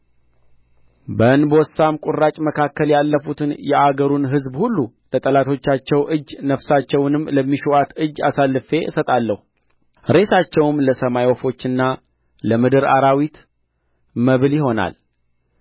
በእንቦሳም ቍራጭ መካከል ያለፉትን የአገሩን ሕዝብ ሁሉ ለጠላቶቻቸው እጅ ነፍሳቸውንም ለሚሹአት እጅ አሳልፌ እሰጣለሁ ሬሳቸውም ለሰማይ ወፎችና ለምድር አራዊት መብል ይሆናል